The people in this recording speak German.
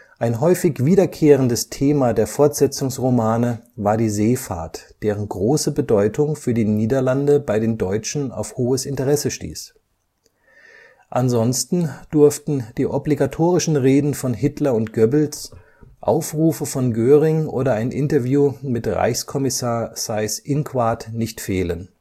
Ein häufig wiederkehrendes Thema der Fortsetzungsromane war die Seefahrt, deren große Bedeutung für die Niederlande bei den Deutschen auf hohes Interesse stieß. Ansonsten durften die obligatorischen Reden von Hitler und Goebbels, Aufrufe von Goering oder ein Interview mit Reichskommissar Seyß-Inquart nicht fehlen